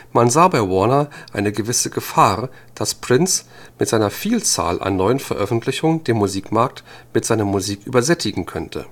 Man sah bei Warner eine gewisse Gefahr, dass Prince mit seiner Vielzahl an neuen Veröffentlichungen den Musikmarkt mit seiner Musik übersättigen könnte